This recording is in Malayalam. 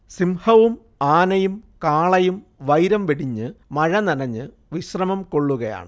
സിംഹവും ആനയും കാളയും വൈരം വെടിഞ്ഞ് മഴനനഞ്ഞ് വിശ്രമം കൊള്ളുകയാണ്